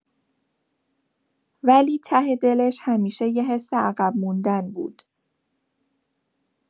ولی ته دلش همیشه یه حس عقب موندن بود.